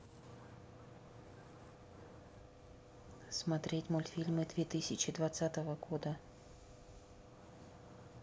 смотреть мультфильмы две тысячи двадцатого года